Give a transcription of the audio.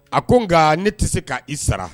A ko nka ne tɛ se k' i sara